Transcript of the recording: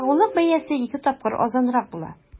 Ягулык бәясе ике тапкыр арзанрак була.